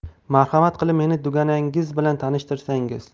marhamat qilib meni duganangiz bilan tanishtirsangiz